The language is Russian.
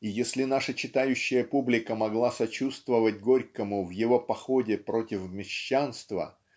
и если наша читающая публика могла сочувствовать Горькому в его походе против мещанства